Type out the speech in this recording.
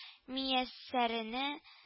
Мияссәрене